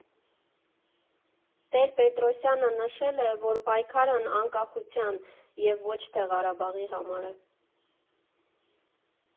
Տեր֊֊Պետրոսյանը նշել է, որ պայքարն անկախության, և ոչ թե Ղարաբաղի համար է։